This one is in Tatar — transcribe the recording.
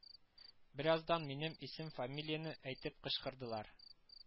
Бераздан минем исем-фамилияне әйтеп кычкырдылар